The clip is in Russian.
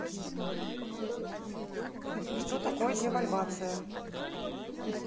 что такое девальвация